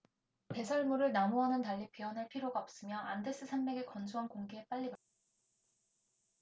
배설물은 나무와는 달리 베어 낼 필요가 없으며 안데스 산맥의 건조한 공기에 빨리 마릅니다